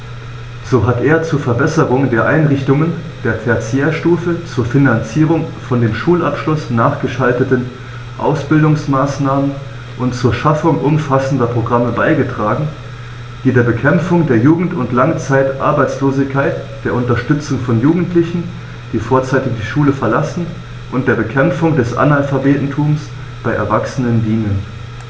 So hat er zur Verbesserung der Einrichtungen der Tertiärstufe, zur Finanzierung von dem Schulabschluß nachgeschalteten Ausbildungsmaßnahmen und zur Schaffung umfassender Programme beigetragen, die der Bekämpfung der Jugend- und Langzeitarbeitslosigkeit, der Unterstützung von Jugendlichen, die vorzeitig die Schule verlassen, und der Bekämpfung des Analphabetentums bei Erwachsenen dienen.